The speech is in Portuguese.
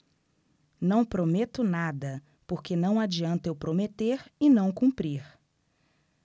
não prometo nada porque não adianta eu prometer e não cumprir